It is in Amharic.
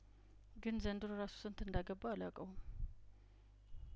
ግን ዘንድሮ ራሱ ስንት እንዳ ገባሁ አላ ቀውም